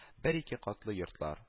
Бер-ике катлы йортлар